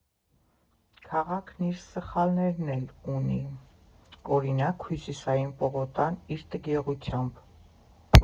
Քաղաքն իր սխալներն էլ ունի, օրինակ՝ Հյուսիսային պողոտան, իր տգեղությամբ։